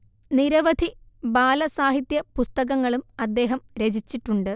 നിരവധി ബാല സാഹിത്യ പുസ്തകങ്ങളും അദ്ദേഹം രചിച്ചിട്ടുണ്ട്